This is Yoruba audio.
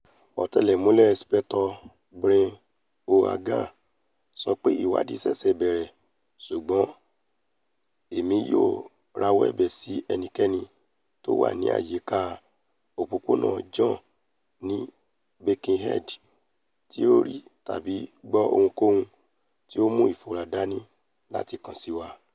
Ọ̀tẹlẹ̀múyẹ́ Inspector̀ Brian O'Hagan sọ pé: 'Ìwáàdí ṣèṣẹ bẹ̀rẹ̀ ṣùgbọ́n Èmi yóò rawọ́ ẹ̀bẹ̀ sí ẹnikẹ́ni tí ó wà ní àyíká Òpópónà John ní Birkenhead tí ó rí tàbí gbọ́ ohunkóhun tí ó mú ìfura dání láti kàn sí wa.